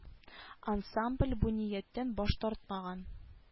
Ансамбль бу нияттән баш тартмаган